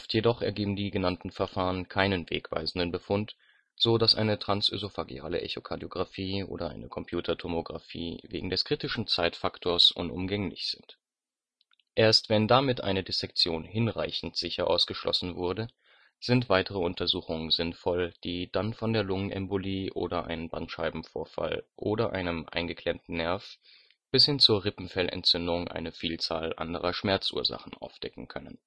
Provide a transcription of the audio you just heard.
jedoch ergeben die genannten Verfahren keinen wegweisenden Befund, so dass eine transösophageale Echokardiografie oder eine Computertomografie wegen des kritischen Zeitfaktors unumgänglich sind. Erst wenn damit eine Dissektion hinreichend sicher ausgeschlossen wurde, sind weitere Untersuchungen sinnvoll, die dann von der Lungenembolie über einen Bandscheibenvorfall oder einen „ eingeklemmten Nerv “bis hin zur Rippenfellentzündung eine Vielzahl anderer Schmerzursachen aufdecken können